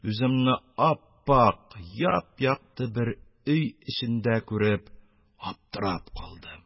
Земне ап-ак, яп-якты өй эчендә күреп аптырап калдым.